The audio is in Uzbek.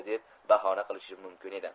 deb bahona qilishim mumkin edi